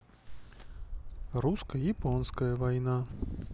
русско японская война